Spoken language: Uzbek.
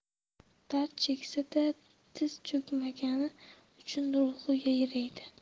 dard cheksa da tiz cho'kmagani uchun ruhi yayraydi